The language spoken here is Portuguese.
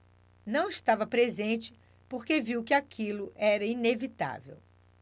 não estava presente porque viu que aquilo era inevitável